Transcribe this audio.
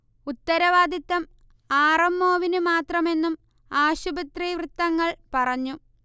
ഉത്തരവാദിത്തം R. M. ഒവിനു മാത്രമെന്നും ആശുപത്രി വൃത്തങ്ങൾ പറഞ്ഞു